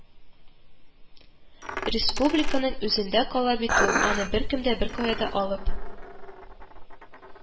Республиканың үзендә кала бит ул, аны беркем дә беркая да алып